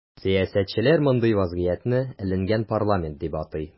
Сәясәтчеләр мондый вазгыятне “эленгән парламент” дип атый.